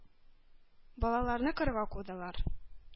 Балаларны кырга кудылар.